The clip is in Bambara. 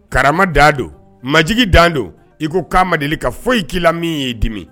Karama dan don majigin dan don i ko k'a ma deli ka foyi k'i la min y'i dimi